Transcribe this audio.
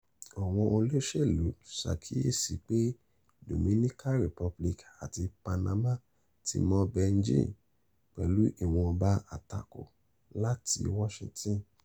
Àwọn olóṣèlú ṣàkíyèsí pé Dominican Republic àti Panama ti mọ Beijing, pẹ̀lú ìwọ̀nba àtakò láti Washington.